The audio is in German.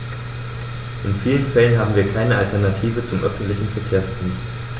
In vielen Fällen haben wir keine Alternative zum öffentlichen Verkehrsdienst.